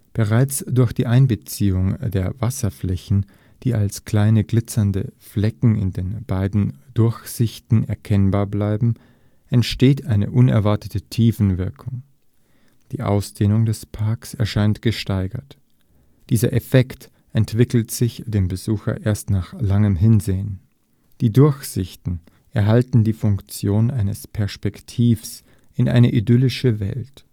Bereits durch die Einbeziehung der Wasserflächen, die als kleine, glitzernde Flecken in den beiden Durchsichten erkennbar bleiben, entsteht eine unerwartete Tiefenwirkung; die Ausdehnung des Parks erscheint gesteigert. Dieser Effekt entwickelt sich dem Betrachter erst nach längerem Hinsehen. Die Durchsichten erhalten die Funktion eines Perspektivs in eine idyllische Welt